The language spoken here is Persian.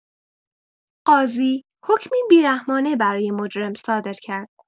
قاضی حکمی بی‌رحمانه برای مجرم صادر کرد.